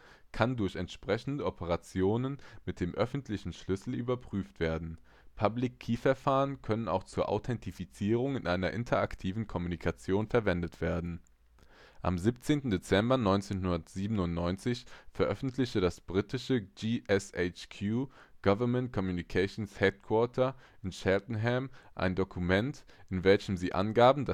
kann durch entsprechende Operationen mit dem öffentlichen Schlüssel überprüft werden. Public-Key-Verfahren können auch zur Authentifizierung in einer interaktiven Kommunikation verwendet werden. Am 17. Dezember 1997 veröffentlichte das britische GCHQ (Government Communications Headquarter in Cheltenham) ein Dokument, in welchem sie angaben